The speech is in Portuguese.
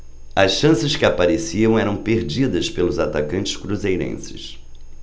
as chances que apareciam eram perdidas pelos atacantes cruzeirenses